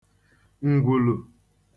ǹgwùlù